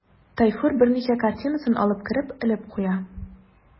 Тайфур берничә картинасын алып кереп элеп куя.